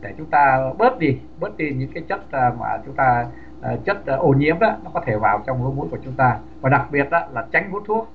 để chúng ta bớt đi bớt đi những cái chất ờ mà chúng ta chất ô nhiễm nó có thể vào trong lỗ mũi của chúng ta và đặc biệt ớ là tránh hút thuốc